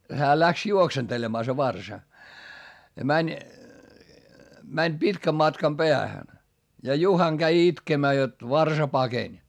hän lähti juoksentelemaan se varsa ja meni meni pitkän matkan päähän ja Juhan kävi itkemään jotta varsa pakeni